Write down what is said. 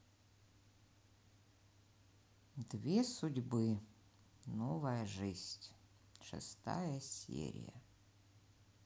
две судьбы новая жизнь шестая серия